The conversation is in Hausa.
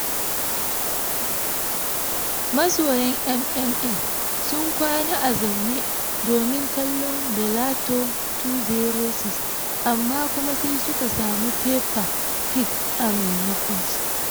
Masoyan MMA sun kwana a zaune domin kallon Bellator 206, amma kuma sai suka samu Peppa Pig a maimako